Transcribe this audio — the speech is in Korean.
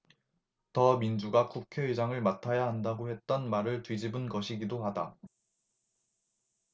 더민주가 국회의장을 맡아야 한다고 했던 말을 뒤집은 것이기도 하다